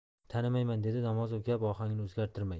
tanimayman dedi namozov gap ohangini o'zgartirmay